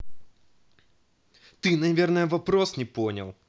ты наверное вопрос не понял